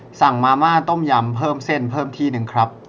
สั่งมาม่าต้มยำเพิ่มเส้นเพิ่มที่นึงครับ